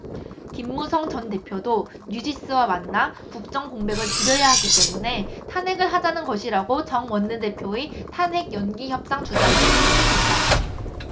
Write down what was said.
김무성 전 대표도 뉴시스와 만나 국정 공백을 줄여야 하기 때문에 탄핵을 하자는 것이라고 정 원내대표의 탄핵 연기협상 주장을 일축했다